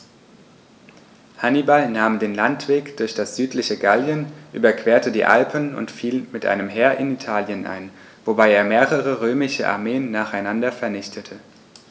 Hannibal nahm den Landweg durch das südliche Gallien, überquerte die Alpen und fiel mit einem Heer in Italien ein, wobei er mehrere römische Armeen nacheinander vernichtete.